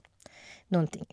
Noen ting.